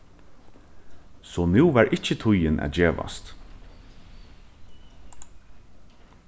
so nú var ikki tíðin at gevast